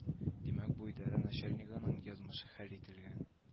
Димәк бу идарә начальнигының язмышы хәл ителгән